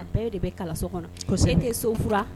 A bɛɛ de bɛ kalan so kɔnɔ, kosɛbɛ, e tɛ so furan!